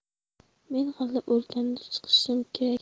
men hali o'rganib chiqishim kerak